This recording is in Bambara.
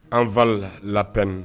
An fa laun